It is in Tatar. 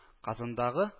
Казандагы